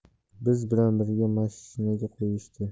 biz bilan birga mashinaga qo'yishdi